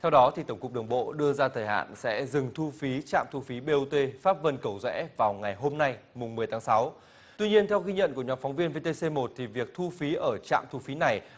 theo đó thì tổng cục đường bộ đưa ra thời hạn sẽ dừng thu phí trạm thu phí bê ô tê pháp vân cầu giẽ vào ngày hôm nay mùng mười tháng sáu tuy nhiên theo ghi nhận của nhóm phóng viên vê tê xê một thì việc thu phí ở trạm thu phí này